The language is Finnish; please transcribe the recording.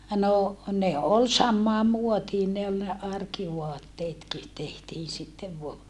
no ne oli samaan muotiin ne oli ne arkivaatteetkin tehtiin sitten vain